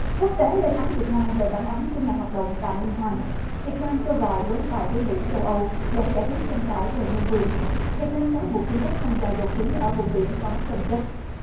quốc tế lên án việt nam về bản án của nhà hoạt động phạm minh hoàng việt nam kêu gọi đối thoại với mỹ châu âu để giải quyết tranh cãi về nhân quyền việt nam cáo buộc trung quốc thăm dò dầu khí ở vùng biển có tranh chấp